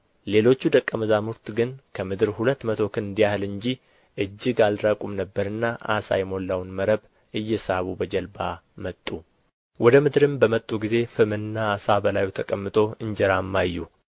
ሌሎቹ ደቀ መዛሙርት ግን ከምድር ሁለት መቶ ክንድ ያህል እንጂ እጅግ አልራቁም ነበርና ዓሣ የሞላውን መረብ እየሳቡ በጀልባ መጡ ወደ ምድርም በወጡ ጊዜ ፍምና ዓሣ በላዩ ተቀምጦ እንጀራም አዩ